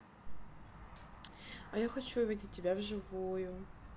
а я хочу увидеть тебя вживую